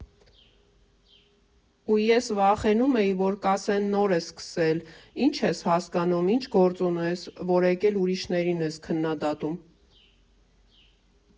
Ու ես վախենում էի, որ կասեն՝ նոր ես սկսել, ի՞նչ ես հասկանում, ի՞նչ գործ ունես, որ եկել ուրիշներին ես քննադատում։